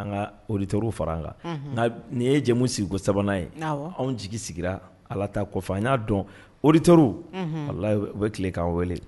An ka ot fara an kan nin ye jɛmu sigiko sabanan ye anw jigi sigira ala taa an n y'a dɔn oto bɛ tile k'aw wele